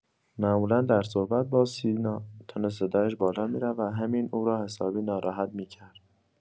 معمولا در صحبت با سینا، تن صدایش بالا می‌رفت و همین او را حسابی ناراحت می‌کرد.